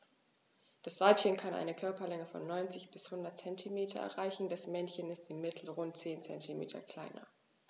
Das Weibchen kann eine Körperlänge von 90-100 cm erreichen; das Männchen ist im Mittel rund 10 cm kleiner.